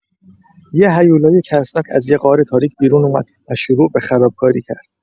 یه هیولای ترسناک از یه غار تاریک بیرون اومد و شروع به خرابکاری کرد.